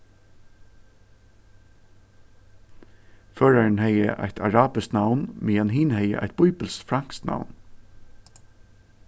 førarin hevði eitt arabiskt navn meðan hin hevði eitt bíbilskt franskt navn